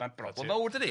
...ma'n <aneglur mowr dydi?